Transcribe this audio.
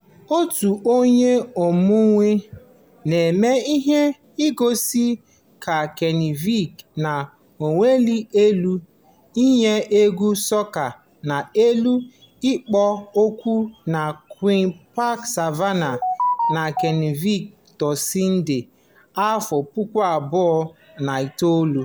Otu onye mmọnwụ na-eme ihe ngosi na kanịva"na-awụli elu" nye egwu sọka n'elu ikpo okwu na Queen's Park Savannah, na Kanịva Tuuzde, 2009.